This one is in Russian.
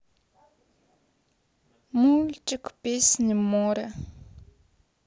мультик песни моря